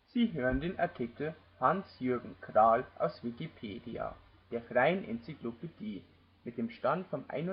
Sie hören den Artikel Hans-Jürgen Krahl, aus Wikipedia, der freien Enzyklopädie. Mit dem Stand vom Der